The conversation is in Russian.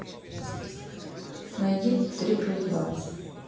найди три плюс два